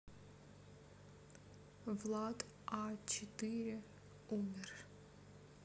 влад а четыре умер